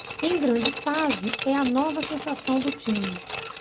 em grande fase é a nova sensação do time